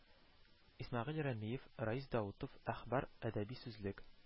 Исмәгыйль Рәмиев, Рәис Даутов «ӘХБАР» Әдәби сүзлек